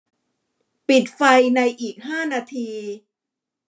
ปิดไฟในอีกห้านาที